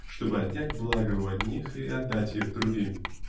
чтобы отнять блага у одних и отдать их другим.